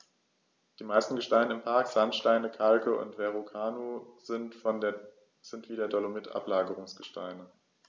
Die meisten Gesteine im Park – Sandsteine, Kalke und Verrucano – sind wie der Dolomit Ablagerungsgesteine.